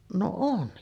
no on